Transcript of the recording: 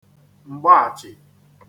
m̀gbaachị̀